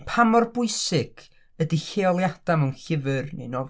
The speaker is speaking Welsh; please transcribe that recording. Pa mor bwysig ydy lleoliadau mewn llyfr neu nofel?